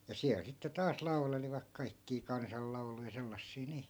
ja siellä sitten taas laulelivat kaikkia kansanlauluja sellaisia niin